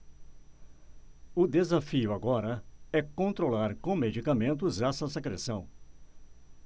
o desafio agora é controlar com medicamentos essa secreção